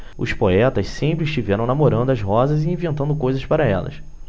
os poetas sempre estiveram namorando as rosas e inventando coisas para elas